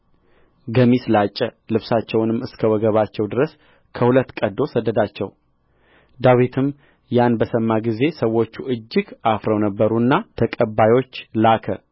ገሚስ ላጨ ልብሳቸውንም እስከ ወገባቸው ድረስ ከሁለት ቀድዶ ሰደዳቸው ዳዊትም ያን በሰማ ጊዜ ሰዎቹ እጅግ አፍረው ነበሩና ተቀባዮች ላከ